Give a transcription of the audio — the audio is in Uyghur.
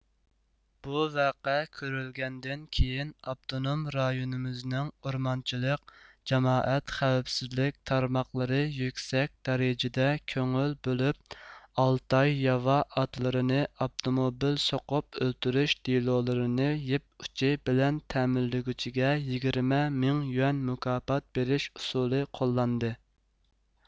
بۇ ۋەقە كۆرۈلگەندىن كېيىن ئاپتونوم رايونىمىزنىڭ ئورمانچىلىق جامائەت خەۋپسىزلىك تارماقلىرى يۈكسەك دەرىجىدە كۆڭۈل بۆلۈپ ئالتاي ياۋا ئاتلىرىنى ئاپتوموبىل سوقۇپ ئۆلتۈرۈش دېلولىرىنى يىپ ئۇچى بىلەن تەمىنلىگۈچىگە يىگىرمە مىڭ يۈەن مۇكاپات بېرىش ئۇسولى قوللاندى